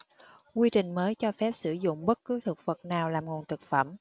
quy trình mới cho phép sử dụng bất cứ thực vật nào làm nguồn thực phẩm